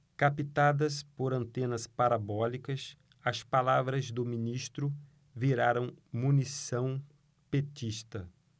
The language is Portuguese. captadas por antenas parabólicas as palavras do ministro viraram munição petista